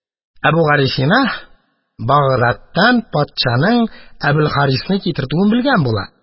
Әбүгалисина Багдадтан патшаның Әбелхарисны китертүен белгән була.